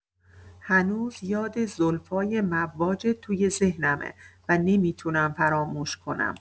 هنوز یاد زلفای مواجت توی ذهنمه و نمی‌تونم فراموش کنم.